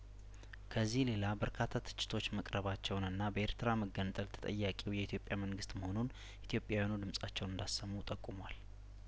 ከዚህ ሌላ በርካታ ትችቶች መቅረባቸውንና በኤርትራ መገንጠል ተጠያቂው የኢትዮጵያ መንግስት መሆኑን ኢትዮጵያውያኑ ድምጻቸውን እንዳሰሙ ጠቁሟል